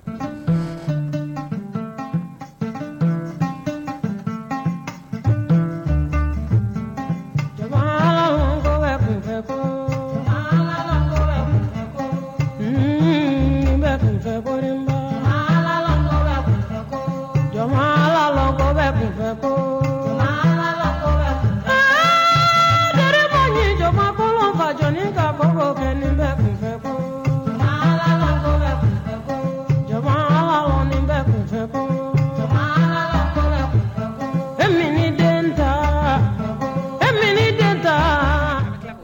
Faama jama bɛ kun kɔfɛ ko ko bɛ kun kɔfɛ ko kun jama bɛ kun kɔfɛ ko faama ja ni j jɔn kakɛ nin bɛ kun ko jamain bɛ kun kɔfɛ kun e dentan e dentan